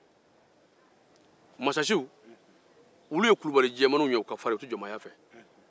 masasiw ye kulubali jɛmanninw ye u tɛ jɔnmaya fɛ